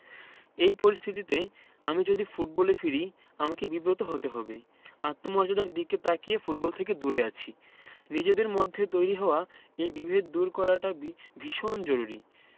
এই পরিস্থিতিতে আমি যদি ফুটবলে ফিরি আমাকে বিব্রত হতে হবে আত্মমর্যাদার দিকে তাকিয়ে ফুটবল থেকে দূরে আছি নিজেদের মধ্যে তৈরি হওয়া এই বিভেদ দূর করাটা ভীষণ জরুরি